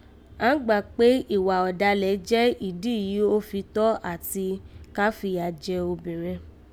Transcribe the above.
Àán gbà kpé ìwà ọ̀dàlẹ̀ jẹ́ ìdí yìí ó fi tọ́ àti ka fìyà jẹ obìnrẹn